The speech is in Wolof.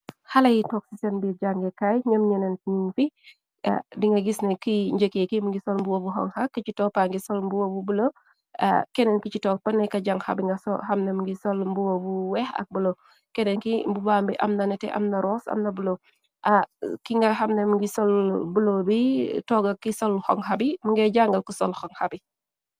Xaleyi togsi seen biir jànge kaay ñëm ñeneen fi di nga gis na ki njëkee kim ngi sol mbuwobu xonka ki ci toppa ngi sol mbuwobu bulo kenneen ki ci toop pane ka jang xabi nga xamnam ngi sol mbuwo bu weex ak blo kennki mbu bambi amna nete amna roos amna bulo ki nga xamnam ngi sol bulo bi tooga ki solu xoŋxabi mu ngay jàngal ku sol xoŋxabi.